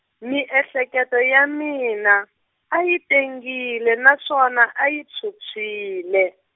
miehleketo ya mina, a yi tengile naswona a yi phyuphyile.